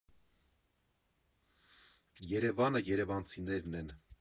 Երևանը երևանցիներն են։